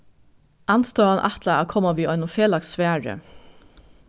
andstøðan ætlar at koma við einum felags svari